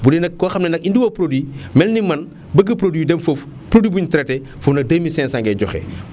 bu dee nag koo xam ne nag indiwoo produit mel ni man bëgg produit dem foofu produit bu ñu triaté foofu nag 2500 ngay joxe